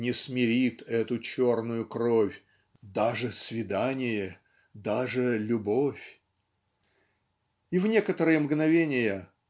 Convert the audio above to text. не смирит эту черную кровь даже свидание даже любовь" и в некоторые мгновения